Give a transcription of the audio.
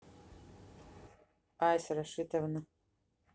ice рашитовна